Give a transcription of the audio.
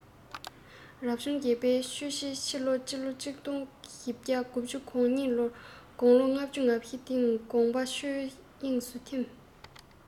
རབ བྱུང བརྒྱད པའི ཆུ བྱི ཕྱི ལོ ༡༤༩༢ ལོར དགུང ལོ ལྔ བཅུ ང བཞིའི སྟེང དགོངས པ ཆོས དབྱིངས སུ འཐིམས